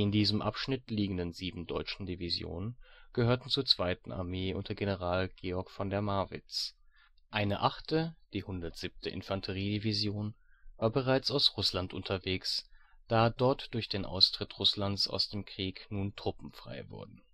diesem Abschnitt liegenden sieben deutschen Divisionen gehörten zur zweiten Armee unter General Georg von der Marwitz. Eine achte, die 107. Infanteriedivision, war bereits aus Russland unterwegs, da dort durch den Austritt Russlands aus dem Krieg nun Truppen frei wurden